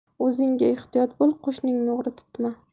o'zingga ehtiyot bo'l qo'shningni o'g'ri tutma